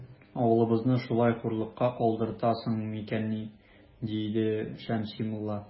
Авылыбызны шулай хурлыкка калдыртасың микәнни? - диде Шәмси мулла.